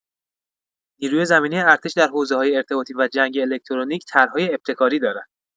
نیروی زمینی ارتش در حوزه‌های ارتباطی و جنگ الکترونیک طرح‌های ابتکاری دارد.